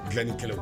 Dilan nikɛlaw